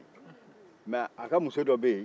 mais a ka muso dɔ bɛ yen